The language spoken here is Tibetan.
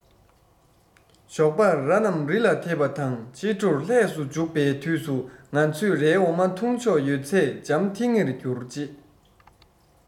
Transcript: ཞོགས པར ར རྣམས རི ལ དེད པ དང ཕྱི དྲོར ལྷས སུ འཇུག པའི དུས སུ ང ཚོས རའི འོ མ འཐུང ཆོག ཡོད ཚད འཇམ ཐིང ངེར གྱུར རྗེས